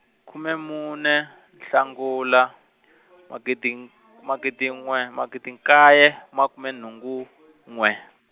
khume mune, Hlangula, magidi magidi n'we magidi nkaye, makume nhungu, n'we.